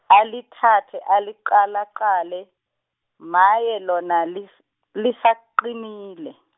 ali thathe aliqalaqale, maye lona lis-, lisaqinile.